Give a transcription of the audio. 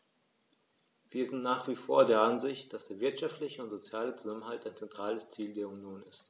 Wir sind nach wie vor der Ansicht, dass der wirtschaftliche und soziale Zusammenhalt ein zentrales Ziel der Union ist.